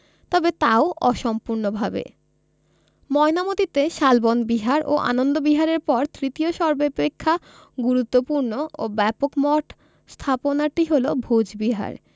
তবে তাও অসম্পূর্ণভাবে ময়নামতীতে শালবন বিহার ও আনন্দ বিহারের পর তৃতীয় সর্বাপেক্ষা গুরুত্বপূর্ণ ও ব্যাপক মঠ স্থাপনাটি হলো ভোজবিহার